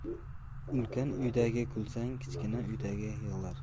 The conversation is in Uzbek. ulkan uydagi kulsa kichkina uydagi yig'lar